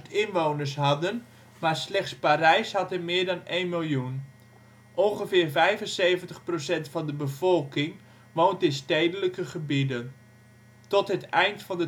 inwoners hadden, maar slechts Parijs had er meer dan één miljoen. Ongeveer 75 % van de bevolking woont in stedelijke gebieden. Tot het eind van